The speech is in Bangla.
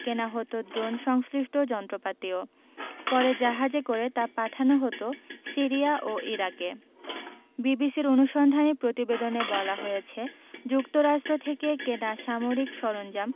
কেনা হতো ড্রোন সংশ্লিষ্ট যন্ত্রপাতিও পরে জাহাজে করে তা পাঠানো হতো সিরিয়া ও ইরাকে বিবিসির অনুসন্ধানী প্রতিবেদনে বলা হয়েছে যুক্তরাষ্ট্র থেকে কেনা সামরিক সরঞ্জাম